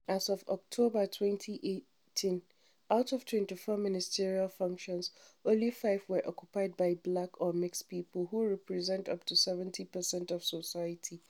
As of October 2018, out of 24 ministerial functions, only five are occupied by black or mixed people, who represent up to 70 percent of society.